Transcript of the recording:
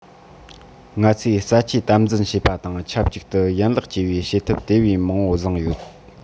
ང ཚོས རྩ བཅོས དམ འཛིན བྱས པ དང ཆབས ཅིག ཏུ ཡན ལག བཅོས པའི བྱེད ཐབས དེ བས མང པོ བཟུང ཡོད